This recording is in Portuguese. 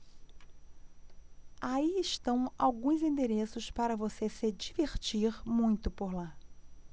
aí estão alguns endereços para você se divertir muito por lá